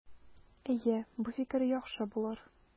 Әйе, бу фикер яхшы булыр.